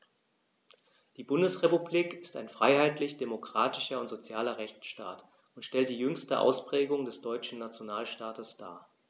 Die Bundesrepublik ist ein freiheitlich-demokratischer und sozialer Rechtsstaat und stellt die jüngste Ausprägung des deutschen Nationalstaates dar.